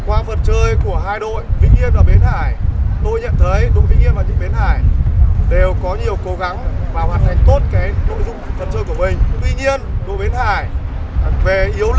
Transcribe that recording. qua phần chơi của hai đội vĩnh yên và bến hải tôi nhận thấy đội vĩnh yên và bến hải đều có nhiều cố gắng và hoàn thành tốt các nội dung của mình tuy nhiên đội bến hải về yếu lĩnh